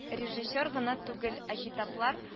Режиссер гына түгел, ә китаплар